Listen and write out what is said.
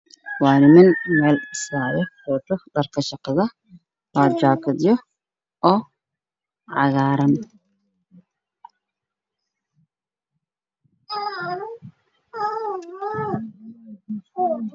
Meeshaan waa meel dhisnay kasocoto oo guri ah niman ayaa ii muuqdo oo wataan shatiyo cagaar ah